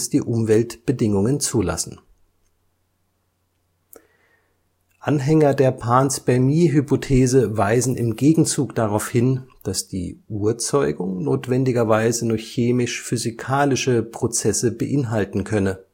die Umweltbedingungen zulassen. Anhänger der Panspermie-Hypothese weisen im Gegenzug darauf hin, dass die Urzeugung notwendigerweise nur chemisch-physikalische Prozesse beinhalten könne